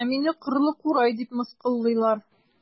Ә мине кырлы курай дип мыскыллыйлар.